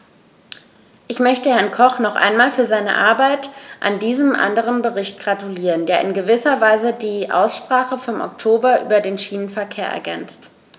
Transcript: Ich möchte Herrn Koch noch einmal für seine Arbeit an diesem anderen Bericht gratulieren, der in gewisser Weise die Aussprache vom Oktober über den Schienenverkehr ergänzt.